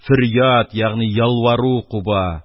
Фөрьяд ягъни ялвару куба,